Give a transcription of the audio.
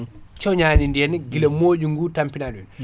coñadidi henna guila mooƴu ngu tampinani ɗum henna